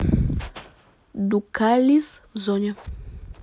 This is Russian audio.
дукалис в зоне